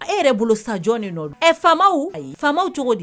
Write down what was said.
E yɛrɛ bolo saj de nɔ ɛ faama ayi faamaw cogo di